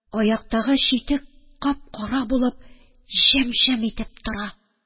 Аяктагы читек кап-кара булып, җем-җем итеп тора.